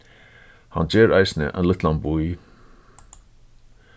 hann ger eisini ein lítlan bý